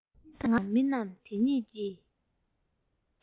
ང དང མི རྣམས དེ གཉིས ཀྱིས